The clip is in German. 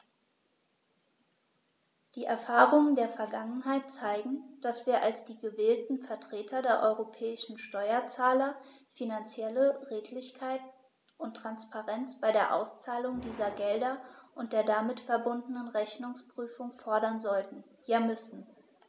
Die Erfahrungen der Vergangenheit zeigen, dass wir als die gewählten Vertreter der europäischen Steuerzahler finanzielle Redlichkeit und Transparenz bei der Auszahlung dieser Gelder und der damit verbundenen Rechnungsprüfung fordern sollten, ja müssen.